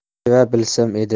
seva bilsam edi